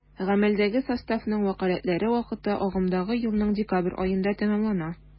Гамәлдәге составның вәкаләтләре вакыты агымдагы елның декабрь аенда тәмамлана.